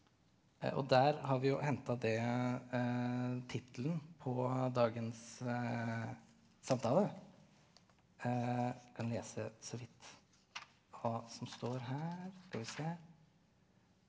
og der har vi jo henta det tittelen på dagens samtale kan lese så vidt hva som står her skal vi se.